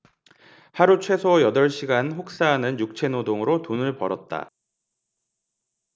하루 최소 여덟 시간 혹사하는 육체노동으로 돈을 벌었다